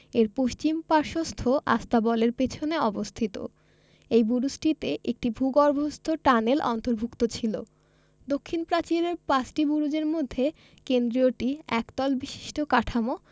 এর পশ্চিম পার্শ্বস্থ আস্তাবলের পেছনে অবস্থিত এই বুরুজটিতে একটি ভূগর্ভস্থ টানেল অন্তর্ভুক্ত ছিল দক্ষিণ প্রাচীরের পাঁচটি বুরুজের মধ্যে কেন্দ্রীয়টি একতল বিশিষ্ট কাঠামো